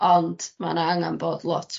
ond ma' 'na angan bod lot